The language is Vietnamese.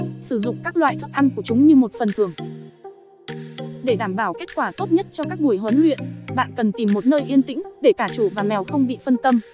sử dụng các loại thức ăn của chúng như một phần thưởng để đảm bảo kết quả tốt nhất cho các buổi huấn luyện bạn cần tìm một nơi yên tĩnh để cả chủ và mèo không bị phân tâm